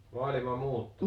maailma muuttunut